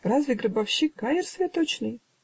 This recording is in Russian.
разве гробовщик гаер святочный?